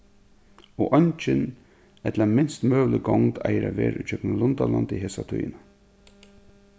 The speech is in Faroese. og eingin ella minst møgulig gongd eigur at vera gjøgnum lundalandið hesa tíðina